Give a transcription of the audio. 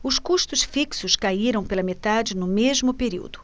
os custos fixos caíram pela metade no mesmo período